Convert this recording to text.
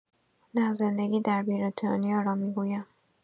نه، زندگی در بریتانیا را می‌گویم.